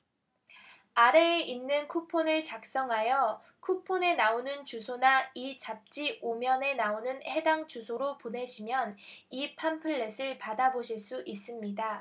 아래에 있는 쿠폰을 작성하여 쿠폰에 나오는 주소나 이 잡지 오 면에 나오는 해당 주소로 보내시면 이 팜플렛을 받아 보실 수 있습니다